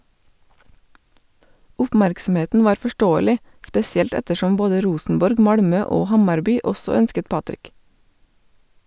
Oppmerksomheten var forståelig, spesielt ettersom både Rosenborg, Malmö og Hammarby også ønsket Patrik.